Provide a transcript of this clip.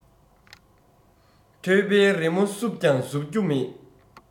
ཐོད པའི རི མོ བསུབས ཀྱང ཟུབ རྒྱུ མེད